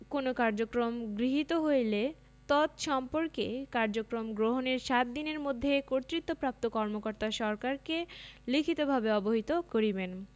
কোন কার্যক্রম গৃহীত হইলে তৎসম্পর্কে কার্যক্রম গ্রহণের ৭ দিনের মধ্যে কর্তৃত্বপ্রাপ্ত কর্মকর্তা সরকারকে লিখিতভাবে অবহিত করিবেন